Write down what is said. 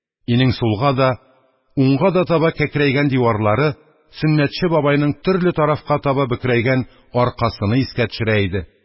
Өйнең сулга да, уңга да таба кәкрәйгән диварлары Сөннәтче бабайның төрле тарафка таба бөкрәйгән аркасыны искә төшерә иде.